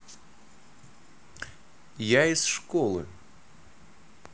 я из школы